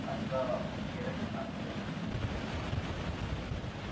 hatto kerilib ham qo'yadi